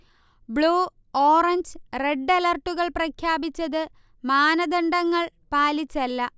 blue, orange, red അലർട്ടുകൾ പ്രഖ്യാപിച്ചത് മാനദണ്ഡങ്ങൾ പാലിച്ചല്ല